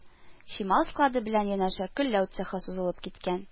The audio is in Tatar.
Чимал склады белән янәшә көлләү цехы сузылып киткән